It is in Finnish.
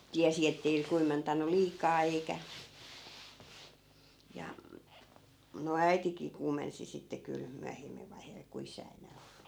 tiesi että ei kuumentanut liikaa eikä ja no äitikin kuumensi sitten kyllä myöhemmän vaiheella kun isää enää ollut